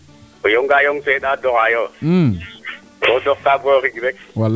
yonga yong seenda doxa yoo koo doxkaa bo xij rek